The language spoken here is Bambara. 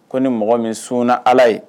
Ko ni mɔgɔ min sunna Ala ye